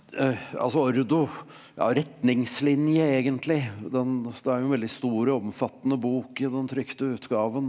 altså ordo ja retningslinje egentlig den det er jo en veldig stor og omfattende bok i den trykte utgaven.